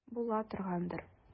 Була торгандыр.